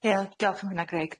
Ie diolch yn fynna Graig.